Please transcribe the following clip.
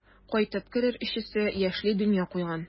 Кайтып керер өчесе яшьли дөнья куйган.